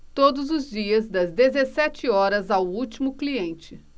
todos os dias das dezessete horas ao último cliente